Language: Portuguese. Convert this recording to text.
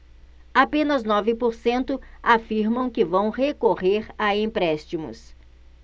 apenas nove por cento afirmam que vão recorrer a empréstimos